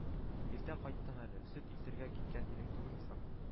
Иртә кайттың әле, сөт илтергә киткән идең түгелме соң